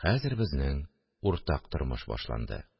Хәзер безнең уртак тормыш башланды